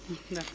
d' accord